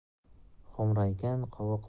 xo'mraygan qovoqlari ostidan